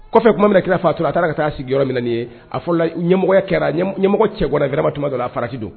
Kɔfɛ kuma mina kira faatura a taara ka taa sigi yɔrɔ mina nin yee a fɔlɔla ɲɛmɔgɔya kɛra ɲɛm ɲɛmɔgɔ cɛgana vraiment tumadɔw la farati don